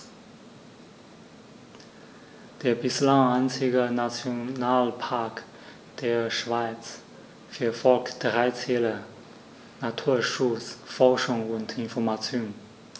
Der bislang einzige Nationalpark der Schweiz verfolgt drei Ziele: Naturschutz, Forschung und Information.